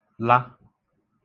la